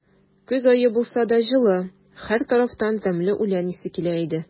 Көз ае булса да, җылы; һәр тарафтан тәмле үлән исе килә иде.